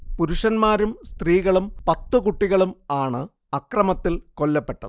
പുരുഷന്മാരും സ്ത്രീകളും പത്തു കുട്ടികളും ആണു അക്രമത്തിൽ കൊല്ലപ്പെട്ടത്